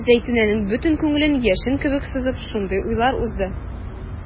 Зәйтүнәнең бөтен күңелен яшен кебек сызып шундый уйлар узды.